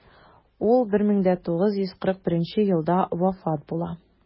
Ул 1941 елда вафат була.